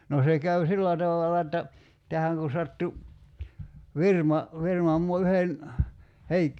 no se käy sillä tavalla että tähän kun sattui firma firman maa yhden -